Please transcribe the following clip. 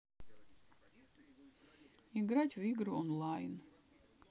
играть в игры онлайн